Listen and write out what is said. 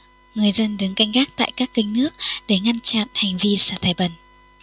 người dân đứng canh gác tại các kênh nước để ngăn chặn hành vi xả thải bẩn